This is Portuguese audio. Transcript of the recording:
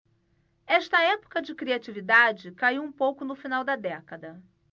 esta época de criatividade caiu um pouco no final da década